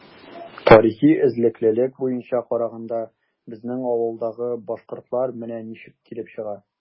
Тарихи эзлеклелек буенча караганда, безнең авылдагы “башкортлар” менә ничек килеп чыга.